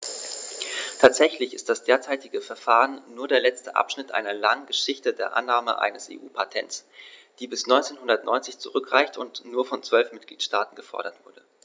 Tatsächlich ist das derzeitige Verfahren nur der letzte Abschnitt einer langen Geschichte der Annahme eines EU-Patents, die bis 1990 zurückreicht und nur von zwölf Mitgliedstaaten gefordert wurde.